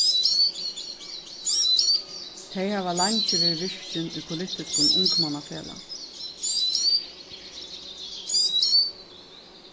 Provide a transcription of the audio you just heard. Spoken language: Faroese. tey hava leingi verið virkin í politiskum ungmannafelag